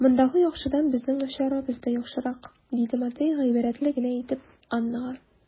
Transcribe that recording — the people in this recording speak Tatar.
Мондагы яхшыдан безнең начарыбыз да яхшырак, - диде Матвей гыйбрәтле генә итеп Аннага.